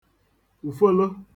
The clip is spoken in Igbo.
ùfolo